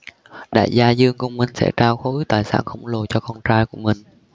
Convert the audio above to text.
đại gia dương công minh sẽ trao khối tài sản khổng lồ cho con trai của mình